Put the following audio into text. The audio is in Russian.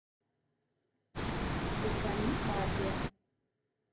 позвони папе